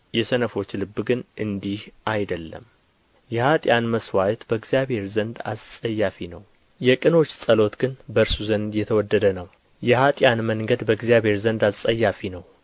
የሰነፎች ልብ ግን እንዲህ አይደለም የኅጥኣን መሥዋዕት በእግዚአብሔር ዘንድ አስጸያፊ ነው የቅኖች ጸሎት ግን በእርሱ ዘንድ የተወደደ ነው የኅጥኣን መንገድ በእግዚአብሔር ዘንድ አስጸያፊ ነው